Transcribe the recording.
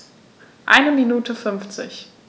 Eine Minute 50